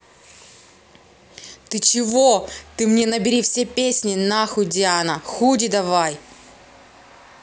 ты чего ты мне набери все песни нахуй диана худи давай